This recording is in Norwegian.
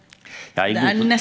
ja i .